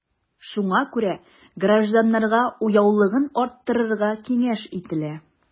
Шуңа күрә гражданнарга уяулыгын арттырыга киңәш ителә.